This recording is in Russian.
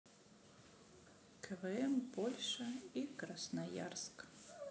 квн польша и красноярск